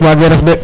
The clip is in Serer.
Waagee ref de,